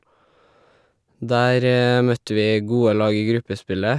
Der møtte vi gode lag i gruppespillet.